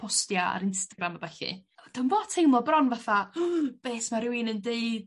postia ar Instagram a ballu. Dwmbo teimlo bron fatha be' 's ma' rhywun yn deud